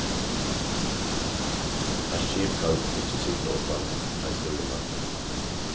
eitt skip kann ikki sigla uttan ein stýrimann